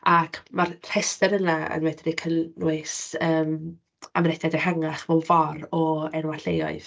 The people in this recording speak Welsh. Ac ma'r rhestr yna yn medru cynnwys yym amrediad ehangach mewn ffor' o enwau lleoedd.